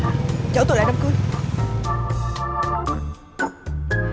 chở tôi lại đám